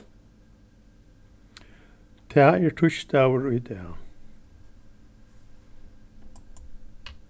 tað er týsdagur í dag